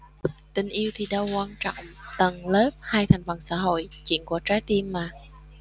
tình yêu thì đâu quan trọng tầng lớp hay thành phần xã hội chuyện của trái tim mà